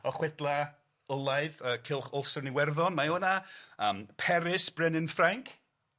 O chwedla Olaidd yy cylch Ulster yn Iwerddon mae o 'na yym Perys Brenin Ffrainc.